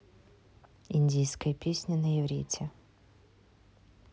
индийская песня на иврите